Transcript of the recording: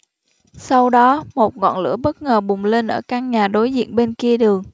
sau đó một ngọn lửa bất ngờ bùng lên ở căn nhà đối diện bên kia đường